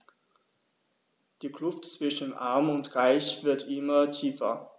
Die Kluft zwischen Arm und Reich wird immer tiefer.